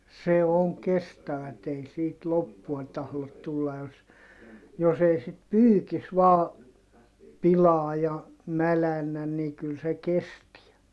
se on kestävät ei siitä loppua tahdo tulla jos jos ei sitten pyykissä vain pilaa ja mädännä niin kyllä se kestää